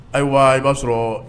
Ayiwa i b'a sɔrɔ